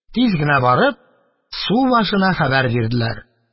Тиз генә барып, субашына хәбәр бирделәр.